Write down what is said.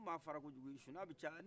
ni mɔgɔ fara kojugu sinɔgɔ bɛ caaya